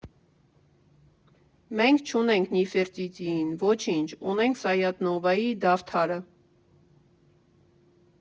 Մենք չունենք Նիֆերտիտիի՞ն, ոչինչ, ունենք Սայաթ֊Նովայի «Դավթարը»։